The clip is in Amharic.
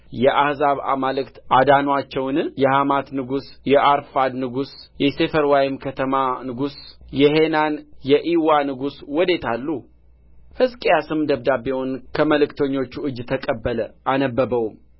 የአሕዛብ አማልክት አዳኑአቸውን የሐማት ንጉሥ የአርፋድ ንጉሥ የሴፈርዋይም ከተማ ንጉሥ የሄናና የዒዋ ንጉሥ ወዴት አሉ ሕዝቅያስም ደብዳቤውን ከመልእክተኞች እጅ ተቀብሎ አነበበው